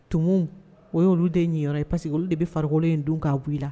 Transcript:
Tuma o y ye oluolu de ɲɛyɔrɔ ye pariseke olu de bɛ farikolo in dun k'a bɔ i la